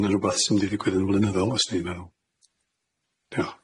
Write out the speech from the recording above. yn rwbath sy'n mynd i ddigwydd yn flynyddol os dwi'n meddwl. Diolch.